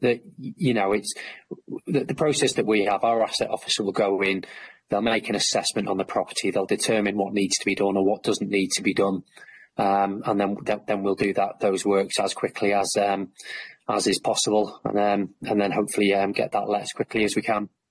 The y- you know, it's w- w- the the process that we have, our asset officer will go in, they'll make an assessment on the property, they'll determine what needs to be done or what doesn't need to be done, erm and then w- that then then we'll do that- those works as quickly as erm as is possible, and then- and then hopefully erm get that let out as quickly as we can.